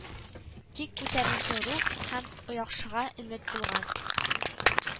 Тик күтәренке рух һәм яхшыга өмет булган